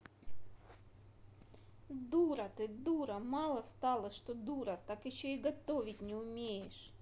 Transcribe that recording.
дура ты дура malo стала что дура так еще и готовить не умеешь